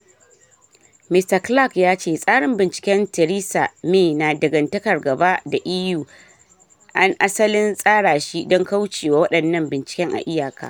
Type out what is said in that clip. Mr Clark ya ce tsarin binciken Theresa May na dagantakan gaba da EU an “asalin tsara shi dan kauce wa waɗannan binciken a iyaka.”